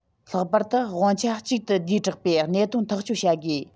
ལྷག པར དུ དབང ཆ གཅིག ཏུ བསྡུས དྲགས པའི གནད དོན ཐག གཅོད བྱ དགོས